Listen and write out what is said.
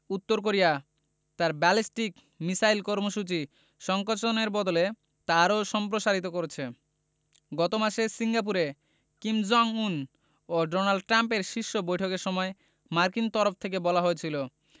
উত্তর কোরিয়া তার ballistic missile কর্মসূচি সংকোচনের বদলে তা আরও সম্প্রসারিত করছে গত মাসে সিঙ্গাপুরে কিম জং উন ও ডোনাল্ড ট্রাম্পের শীর্ষ বৈঠকের সময় মার্কিন তরফ থেকে বলা হয়েছিল